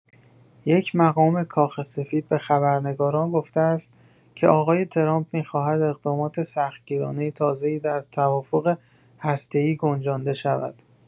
یک مقام کاخ سفید به خبرنگاران گفته است که آقای ترامپ می‌خواهد اقدامات سختگیرانه تازه‌ای در توافق هسته‌ای گنجانده شود.